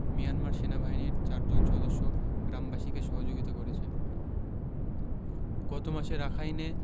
Myanmar সেনাবাহিনীর চারজন সদস্য গ্রামবাসীকে সহযোগিতা করেছে গত মাসে রাখাইনে